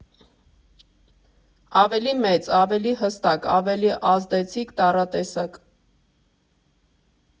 Ավելի մեծ, ավելի հստակ, ավելի ազդեցիկ տառատեսակ։